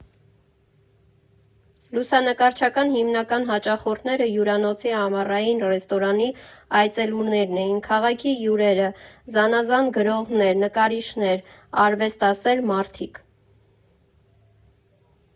Լուսանկարչատան հիմնական հաճախորդները հյուրանոցի ամառային ռեստորանի այցելուներն էին, քաղաքի հյուրերը, զանազան գրողներ, նկարիչներ, արվեստասեր մարդիկ։